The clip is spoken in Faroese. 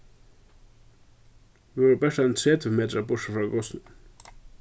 vit vóru bert eini tretivu metrar burtur frá gosinum